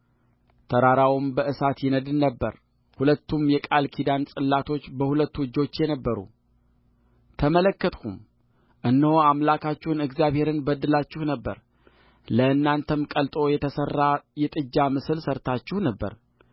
ተራራውም በእሳት ይነድድ ነበር ሁለቱም የቃል ኪዳን ጽላቶች በሁለቱ እጆቼ ነበሩተመለከትሁም እነሆ አምላካችሁን እግዚአብሔርን በድላችሁ ነበር ለእናንተም ቀልጦ የተሠራ የጥጃ ምስል ሠርታችሁ ነበር